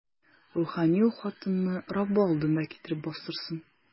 Рухани ул хатынны Раббы алдына китереп бастырсын.